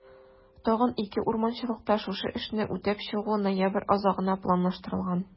Тагын 2 урманчылыкта шушы эшне үтәп чыгу ноябрь азагына планлаштырылган.